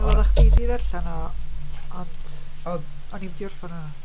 Oedda chdi di ddarllen o ond o'n i'm 'di orffan o na.